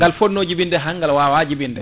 ngal fonno jiibinde han ngal wawa jiibinde